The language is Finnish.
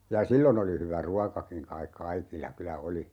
ja silloin oli hyvä ruokakin kai kaikilla kyllä oli